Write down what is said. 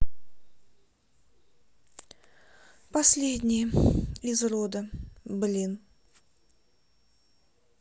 последние из рода блин